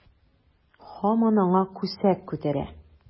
Һаман аңа күсәк күтәрә.